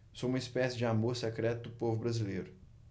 sou uma espécie de amor secreto do povo brasileiro